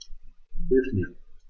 Hilf mir!